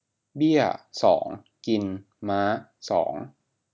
เบี้ยสองกินม้าสอง